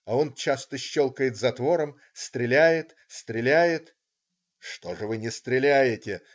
А он часто щелкает затвором, стреляет, стреляет. "Что же вы не стреляете!